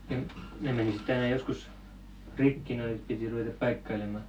ne meni sitten aina joskus rikki nuo että piti ruveta paikkailemaan